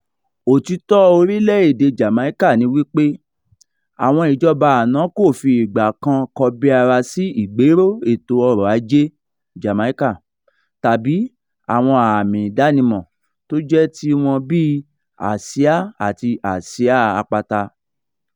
Òtítọ́ orílẹ̀ èdèe Jamaica ni wípé àwọn ìjọba àná kò fi ìgbàkan kọbiara sí ìgbéró èto ọrọ̀ Ajée Jamaica' tàbí àwọn ààmi ìdánimọ̀ tó jẹ́ ti wọn bíi àsíá àti àsíá apata.